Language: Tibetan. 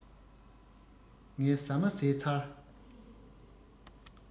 ངས ཟ མ བཟས ཚར